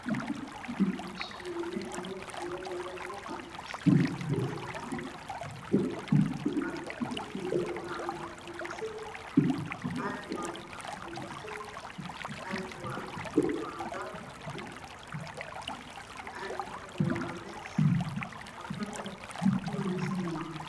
Meshaan waa meel bana waxaa inoo yala lapo paakad iyoblapo caagad paakada kalarkeedu mid wa cadan iyo pazali iyo seytuuni caaga mid cadan iyo pazali cagakalne waa cadees warqada ku wareegsana waa cdan